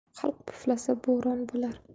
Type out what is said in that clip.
xalq puflasa bo'ron bo'lar